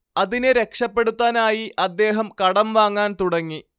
അതിനെ രക്ഷപെടുത്താനായി അദ്ദേഹം കടം വാങ്ങാൻ തുടങ്ങി